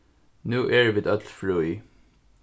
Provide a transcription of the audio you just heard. nú eru vit øll frí